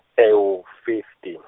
ewu- fifty.